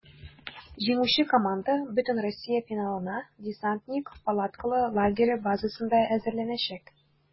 Җиңүче команда бөтенроссия финалына "Десантник" палаткалы лагере базасында әзерләнәчәк.